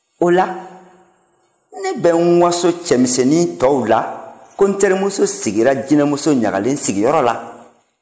o la ne bɛ n waso cɛmisɛnnin tɔw la ko n terimuso sigira jinɛmuso ɲagalen sigiyɔrɔ la